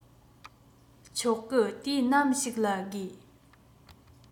ཆོག གི དུས ནམ ཞིག ལ དགོས